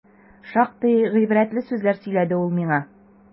Шактый гыйбрәтле сүзләр сөйләде ул миңа.